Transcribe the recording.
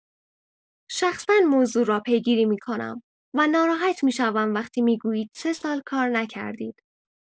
شخصا موضوع را پیگیری می‌کنم و ناراحت می‌شوم وقتی می‌گویید سه سال کار نکردید؛